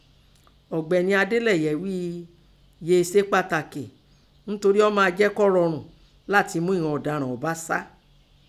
Ọ̀gbẹ́ni Adélẹ́yẹ ghíi yèé se pàtàkì ńtori ọ́ máa jẹ́ kọ́ rọrùn látin mú ìnan ọ̀daràn ọ́ bá sá.